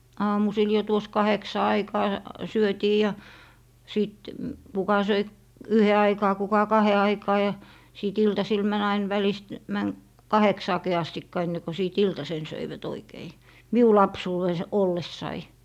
aamusilla jo tuossa kahdeksan aikaan syötiin ja sitten kuka söi yhden aikaan kuka kahden aikaan ja sitten iltasilla meni aina välistä meni kahdeksaankin asti ennen kuin sitten iltasen söivät oikein minun lapsuudessa ollessani